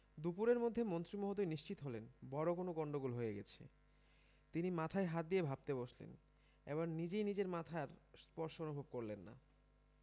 দুপুরের মধ্যে মন্ত্রী মহোদয় নিশ্চিত হলেন বড় কোনো গন্ডগোল হয়ে গেছে তিনি মাথায় হাত দিয়ে ভাবতে বসলেন এবার নিজেই নিজের মাথার স্পর্শ অনুভব করলেন না